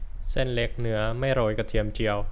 เส้นเล็กเนื้อไม่โรยกระเทียมเจียว